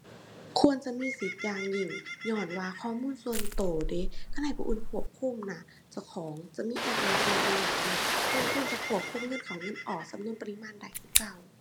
ควรจะมีสิทธิ์อย่างยิ่ง ญ้อนว่าข้อมูลส่วนตัวเดะ คันให้ผู้อื่นควบคุมน่ะ เจ้าของจะมีแอปไว้เพื่ออิหยังง่ะ เราควรจะควบคุมเงินเข้าเงินออกจำนวนปริมาณได้คือเก่า